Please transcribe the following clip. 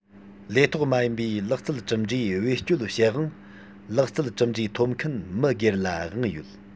ལས ཐོག མ ཡིན པའི ལག རྩལ གྲུབ འབྲས བེད སྤྱོད བྱེད དབང ལག རྩལ གྲུབ འབྲས ཐོབ མཁན མི སྒེར ལ དབང ཡོད